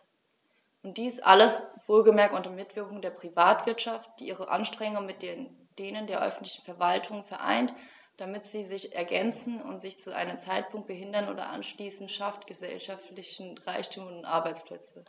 Und dies alles - wohlgemerkt unter Mitwirkung der Privatwirtschaft, die ihre Anstrengungen mit denen der öffentlichen Verwaltungen vereint, damit sie sich ergänzen und sich zu keinem Zeitpunkt behindern oder ausschließen schafft gesellschaftlichen Reichtum und Arbeitsplätze.